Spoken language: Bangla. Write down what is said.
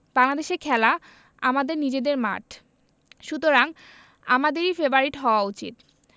বাংলাদেশে খেলা আমাদের নিজেদের মাঠ সুতরাং আমাদেরই ফেবারিট হওয়া উচিত